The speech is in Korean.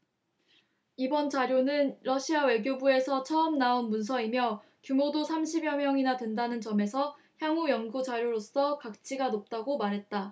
이번 자료는 러시아 외교부에서 처음 나온 문서이며 규모도 삼십 여 명이나 된다는 점에서 향후 연구 자료로서 가치가 높다고 말했다